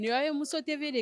N ye muso tɛele de ye